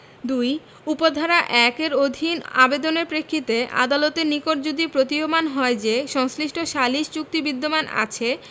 ২ উপ ধারা ১ এর অধীন আবেদনের প্রেক্ষিতে আদালতের নিকট যদি প্রতীয়মান হয় যে সংশ্লিষ্ট সালিস চুক্তি বিদ্যমান আছে